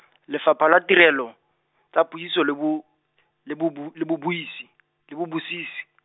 Lefapha la Tirelo, tsa Puiso le Bo-, le Bobo-, le Boboisi-, le Bobusisi.